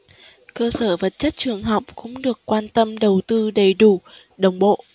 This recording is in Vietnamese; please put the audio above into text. cơ sở vật chất trường học cũng được quan tâm đầu tư đầy đủ đồng bộ